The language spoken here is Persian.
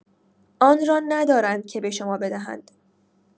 آن را ندارند که به شما بدهند.